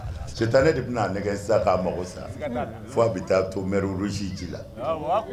Sitanɛ de bɛna a nɛgɛ sissa k'a mago sa, sika t'a la fɔ a bɛ taa to Mer rouge ji la, allahu akbar